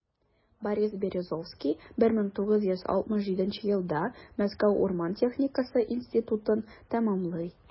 Борис Березовский 1967 елда Мәскәү урман техникасы институтын тәмамлый.